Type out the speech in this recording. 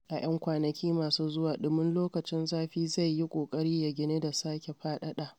A ‘yan kwanaki masu zuwa, ɗumin lokacin zafi zai yi ƙoƙari ya ginu da sake faɗaɗa.